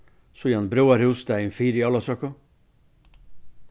síðan brúðarhús dagin fyri ólavsøku